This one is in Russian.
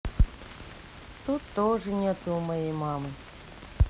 тут тоже нету у моей мамы